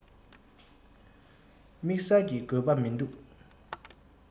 དམེགས བསལ གྱི དགོས པ མིན འདུག